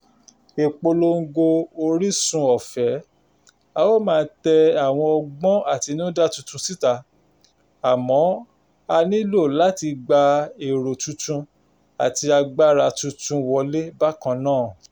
Ìpolongo orísun-ọ̀fẹ́ – a óò máa tẹ àwọn ọgbọ́n àtinúdá tuntun síta, àmọ́ a nílò láti gba èrò tuntun àti agbára tuntun wọlé bákan náà.